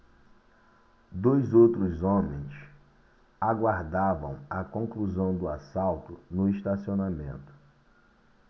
dois outros homens aguardavam a conclusão do assalto no estacionamento